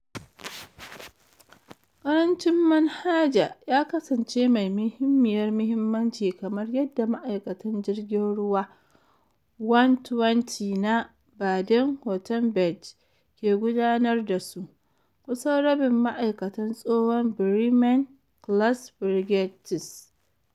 Karancin Manhaja ya kasance mai muhimmiyar muhimmanci kamar yadda ma'aikatan jirgin ruwa 120 na Baden-Wuerttemberg ke gudanar da su. Kusan rabin ma'aikatan tsohon Bremen class frigates.